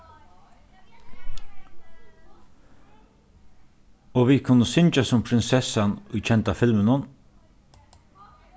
og vit kunnu syngja sum prinsessan í kenda filminum